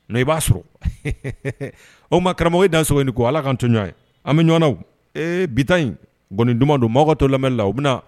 Non i ba sɔrɔ . O kuma karamɔgɔ i dansɔgɔ i ni ko . Ala ka toɲɔgɔn ye. An bi ɲɔgɔn na wo .ee bi in gɔnni duman don , maaw ka to lamɛnli la u bi na